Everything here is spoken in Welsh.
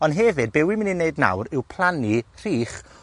Ond hefyd be' wi mynd i neud nawr yw plannu rhych